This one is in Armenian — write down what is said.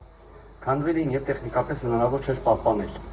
Քանդվել էին և տեխնիկապես հնարավոր չէր պահպանել։